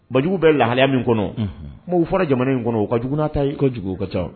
Banjugu bɛ lahaya min kɔnɔ, unhun, kumaw fɔra jamana in kɔnɔ o ka jugu n'a ta ye, kojugu o ka ca